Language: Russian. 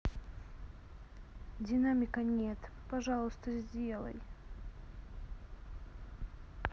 динамика нет пожалуйста сделай